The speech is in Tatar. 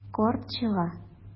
Карт чыга.